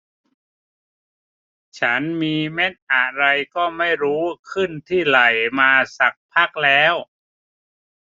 ฉันมีเม็ดอะไรก็ไม่รู้ขึ้นที่ไหล่มาสักพักแล้ว